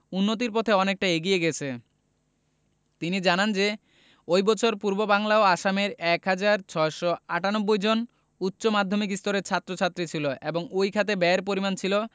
উন্নতির পথে অনেকটা এগিয়ে গেছে তিনি জানান যে ওই বছর পূর্ববাংলা ও আসামে ১ হাজার ৬৯৮ জন উচ্চ মাধ্যমিক স্তরের ছাত্র ছাত্রী ছিল এবং ওই খাতে ব্যয়ের পরিমাণ ছিল